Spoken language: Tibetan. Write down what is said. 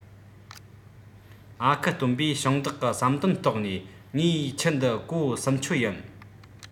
ཨ ཁུ སྟོན པས ཞིང བདག གི བསམ དོན རྟོགས ནས ངའི ཁྱི འདི གོ གསུམ ཆོད ཡིན